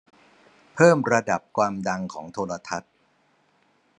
เพิ่มระดับความดังของโทรทัศน์